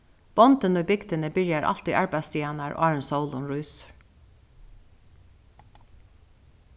bóndin í bygdini byrjar altíð arbeiðsdagarnar áðrenn sólin rísur